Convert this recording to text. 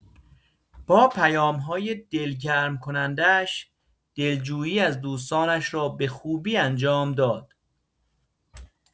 با پیام‌های دلگرم‌کننده‌اش، دلجویی از دوستانش را به خوبی انجام داد.